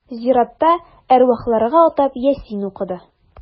Зиратта әрвахларга атап Ясин укыды.